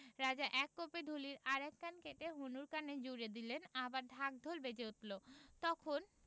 রাজা এক কোপে ঢুলির আর এক কান কেটে হনুর কানে জুড়ে দিলেনআবার ঢাক ঢোল বেজে উঠল তখন